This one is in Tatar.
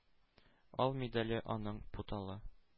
Ал медале аның путаллы,